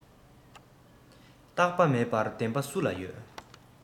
རྟག པ མེད པར བདེན པ སུ ལ ཡོད